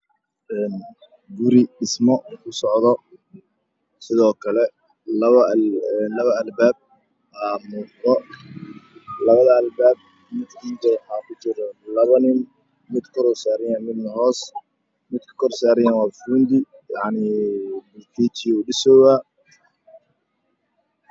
Guri dhismo ku socdo labo albaab waxaa ku jiro labo nin